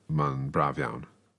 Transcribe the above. ma'n braf iawn.